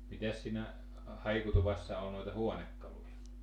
mitäs siinä haikutuvassa oli noita huonekaluja